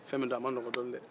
fɛn min do a ma nɔgɔ dɔɔni dɛ